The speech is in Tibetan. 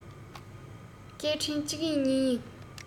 སྐད འཕྲིན གཅིག གཡེང གཉིས གཡེང